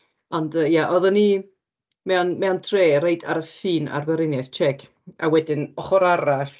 Ond yy ia, oeddwn i mewn mewn tre reit ar y ffin â'r Weriniaeth Tsiec, a wedyn ochr arall...